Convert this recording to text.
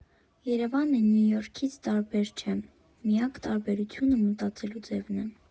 Երևանը Նյու Յորքից տարբեր չէ, միակ տարբերությունը մտածելու ձևն է։